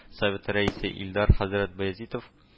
Советы рәисе Илдар хәзрәт Баязитов